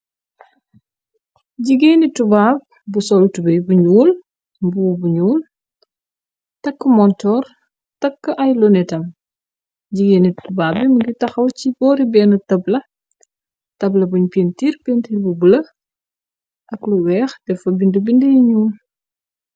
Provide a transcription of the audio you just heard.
Jigeeni tubaab bu sol tube bu ñuul, mbubu bu ñuul, takk montor takk ay lu nitam. Jigeeni tubaa bi mu ngi taxaw ci boori benni tabla, tabla buñ pentiir pentir bu bulo ak lu weex. Deffa bindi bind yi ñuul.